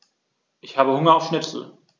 Ich habe Hunger auf Schnitzel.